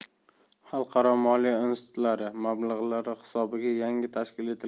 xalqaro moliya institutlari mablag'lari hisobiga yangi tashkil